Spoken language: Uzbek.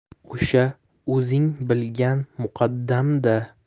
o'sha o'zing bilgan muqaddamda